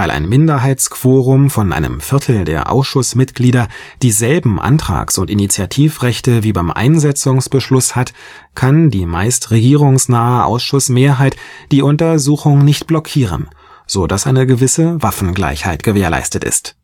ein Minderheits-Quorum von einem Viertel der Ausschussmitglieder dieselben Antrags - und Initiativrechte wie beim Einsetzungsbeschluss hat, kann die meist regierungsnahe Ausschussmehrheit die Untersuchung nicht blockieren, so dass eine gewisse Waffengleichheit gewährleistet ist